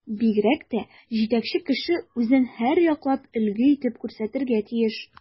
Бигрәк тә җитәкче кеше үзен һәрьяклап өлге итеп күрсәтергә тиеш.